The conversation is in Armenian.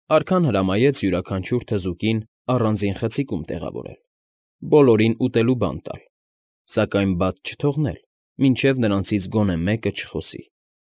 Արքան հրամայեց յուրաքանչյուր թզուկներին առանձին խցիկում տեղավորել, բոլորին ուտելու բան տալ, սակայն բաց չթողնել, մինչև նրանցից գոնե մեկը չխոսի։